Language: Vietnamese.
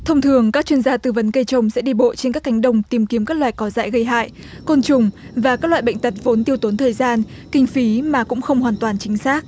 thông thường các chuyên gia tư vấn cây trồng sẽ đi bộ trên các cánh đồng tìm kiếm các loài cỏ dại gây hại côn trùng và các loại bệnh tật vốn tiêu tốn thời gian kinh phí mà cũng không hoàn toàn chính xác